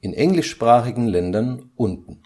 in englischsprachigen Ländern unten